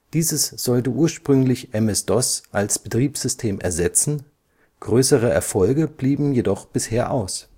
Dieses sollte ursprünglich MS-DOS als Betriebssystem ersetzen, größere Erfolge blieben jedoch bisher aus